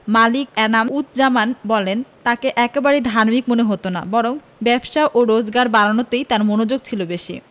মালিক এনাম উজজামান বলেন তাঁকে একেবারেই ধার্মিক মনে হতো না বরং ব্যবসা ও রোজগার বাড়ানোতেই তাঁর মনোযোগ ছিল বেশি